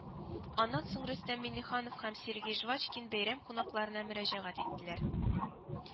Аннан соң Рөстәм Миңнеханов һәм Сергей Жвачкин бәйрәм кунакларына мөрәҗәгать иттеләр